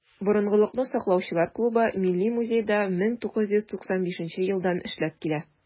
"борынгылыкны саклаучылар" клубы милли музейда 1995 елдан эшләп килә.